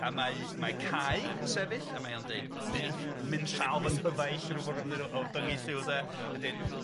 A mae mae Cai yn sefyll, a mae o'n deud, myn- mynllaw fy nghyfaill ryw ffor o fe ddeud o o dyngu llw 'de ... Ia...yn deud